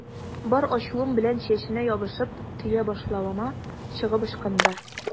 Бар ачуым белән чәченә ябышып, төя башлавыма чыгып ычкынды.